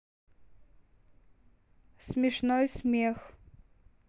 смешной смех